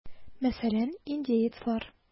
Мәсәлән, индеецлар.